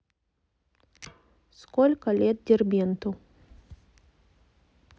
сколько лет дербенту